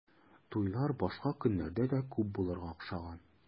Туйлар башка көннәрдә дә күп булырга охшаган.